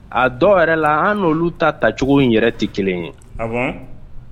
A dɔw yɛrɛ la an' olu ta tacogo in yɛrɛ tɛ kelen ye